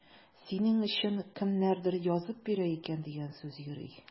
Синең өчен кемнәрдер язып бирә икән дигән сүз йөри.